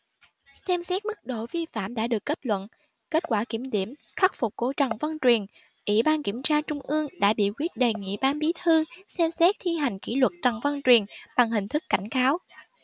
xem xét mức độ vi phạm đã được kết luận kết quả kiểm điểm khắc phục của trần văn truyền ủy ban kiểm tra trung ương đã biểu quyết đề nghị ban bí thư xem xét thi hành kỷ luật trần văn truyền bằng hình thức cảnh cáo